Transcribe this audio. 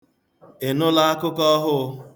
Ị nụla akụkọ ọhụụ?